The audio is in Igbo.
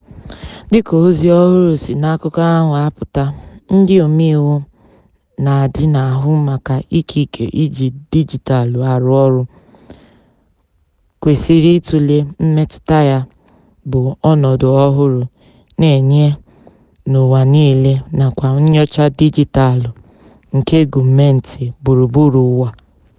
Dịka ozi ọhụrụ si na akụkọ ahụ apụta, ndị omeiwu na-adị na-ahụ maka ikike iji dijitalụ arụ ọrụ kwesịrị itule mmetụta ya bụ ọnọdụ ọhụrụ na-enye n'ụwa niile nakwa nnyocha dijitalụ nke gọọmentị gburugburu ụwa.